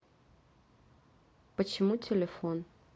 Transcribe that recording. почему телефон